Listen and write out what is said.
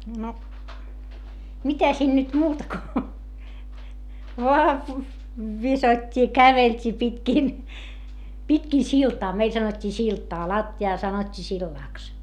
no mitä siinä nyt muuta kuin vain viskottiin ja käveltiin pitkin pitkin siltaa meillä sanottiin siltaa lattiaa sanottiin sillaksi